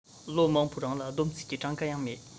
ལོ མང པོའི རིང ལ སྡོམ རྩིས ཀྱི གྲངས ཀ ཡང མེད